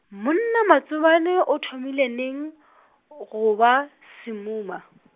monna Matsobane o thomile neng , go ba semuma?